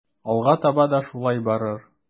Алга таба да шулай барыр.